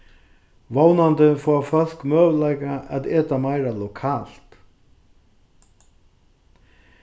vónandi fáa fólk møguleika at eta meira lokalt